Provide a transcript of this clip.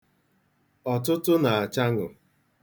Ọtụtụ na-achaṅụ.